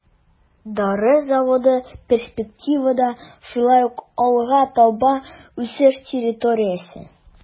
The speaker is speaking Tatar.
Дары заводы перспективада шулай ук алга таба үсеш территориясе.